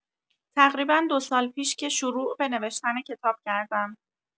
تقریبا دو سال پیش که شروع به نوشتن کتاب کردم